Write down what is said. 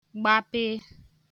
gbapịị